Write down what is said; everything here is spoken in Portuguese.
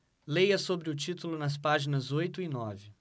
leia sobre o título nas páginas oito e nove